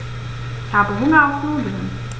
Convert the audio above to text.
Ich habe Hunger auf Nudeln.